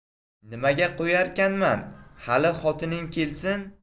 nimaga qo'yarkanman hali xotining kelsin